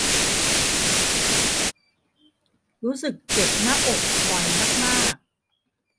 รู้สึกเจ็บหน้าอกบ่อยมากมาก